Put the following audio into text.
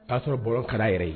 O y'a sɔrɔ bɔkara yɛrɛ ye